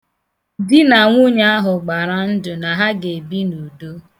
Di na nwunye ahụ gbara ndụ na ha ga-ebi n' udo.